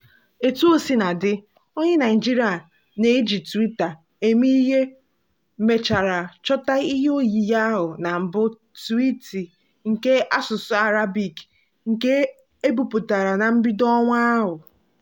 Etuosinadị, onye Naịjirịa na-eji Twitter eme ihe mechara chọta ihe oyiyi ahụ na mbụ twiiti nke asụsụ Arabic nke e bipụtara na mbido ọnwa ahụ.